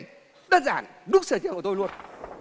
đơn giản đúng sở trường của tôi luôn